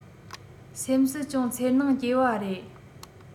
སེམས སུ ཅུང འཚེར སྣང སྐྱེ བ རེད